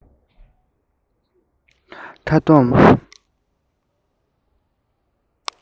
མཐའ བསྡོམས